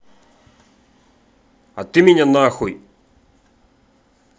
а ты меня нахуй